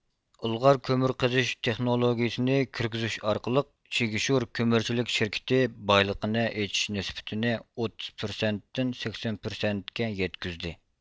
ئىلغار كۆمۈر قېزىش تېخنولوگىيىسىنى كىرگۈزۈش ئارقىلىق چىگشور كۆمۈرچىلىك شىركىتى بايلىقنى ئېچىش نىسبىتىنى ئوتتۇز پىرسەنتتىن سەكسەن پىرسەنتكە يەتكۈزدى